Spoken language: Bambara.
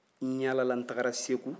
n yaalala n taara segu